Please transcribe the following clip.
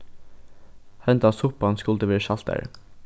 hendan suppan skuldi verið saltari